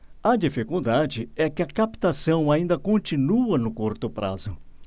a dificuldade é que a captação ainda continua no curto prazo